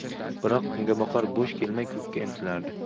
biroq kungaboqar bo'sh kelmay ko'kka intilardi